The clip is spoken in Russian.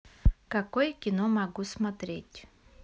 какое кино могу смотреть